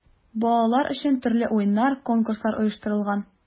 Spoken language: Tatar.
Балалар өчен төрле уеннар, конкурслар оештырылган.